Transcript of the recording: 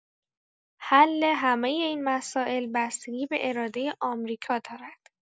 حل همه این مسائل بستگی به اراده آمریکا دارد.